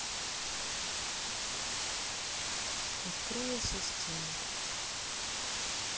открой ассистент